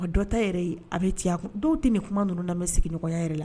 Dɔ ta yɛrɛ ye a bɛ tiɲɛ a dɔw tɛ nin kuma ninnu lamɛn bɛ sigiɲɔgɔnya yɛrɛ la